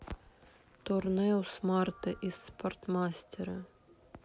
торнео с марта из спортмастера